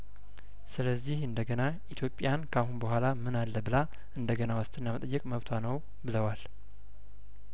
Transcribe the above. ስለዚህ እንደገና ኢትዮጵያን ካሁን በኋላምን አለብላ እንደገና ዋስትና መጠየቅ መብቷ ነው ብለዋል